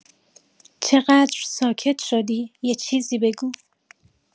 چقدر ساکت شدی یه چیزی بگو